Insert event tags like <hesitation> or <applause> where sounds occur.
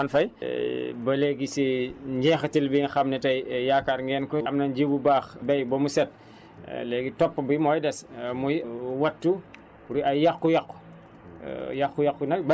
yàlla bu yàlla tas yaakaar <hesitation> Fane Faye <hesitation> ba léegi si <hesitation> njeexcital bi nga xam ne tey yaakaar ngeen ko am na nji bu baax béy ba mu set <breath> léegi topp bi mooy des <hesitation> muy wattu luy ay yàqu-yàqu